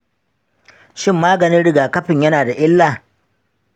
shin maganin rigakafin yana da illa?